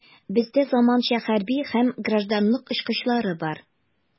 Бездә заманча хәрби һәм гражданлык очкычлары бар.